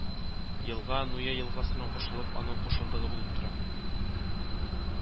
Елга Нуя елгасына кушылып, аның кушылдыгы булып тора